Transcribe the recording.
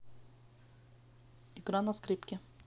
игра на скрипке